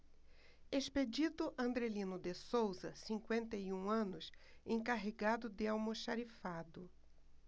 expedito andrelino de souza cinquenta e um anos encarregado de almoxarifado